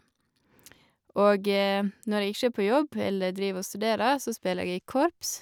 Og når jeg ikke er på jobb eller driver og studerer, så spiller jeg i korps.